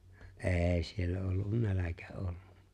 ei siellä ollut nälkä ollut